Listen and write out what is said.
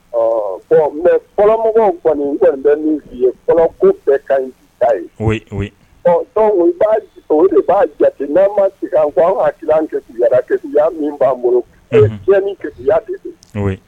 Ɔ bon mais fɔlɔmɔgɔw kɔni n kɔni bɛ min f'i ye fɔlɔ ko bɛɛ ka ɲi bi ta ye oui oui bon donc o de b'a jate n'an ma segin an kɔ an hakili la an kegunyara kegunya min b'an bolo cɛnni kegunya de don